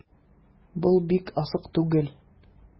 Бу бик ачык түгел...